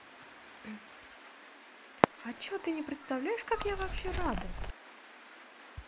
а че ты не представляешь как я вообще рада